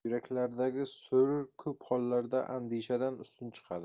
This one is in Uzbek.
yuraklaridagi surur ko'p hollarda andishadan ustun chiqadi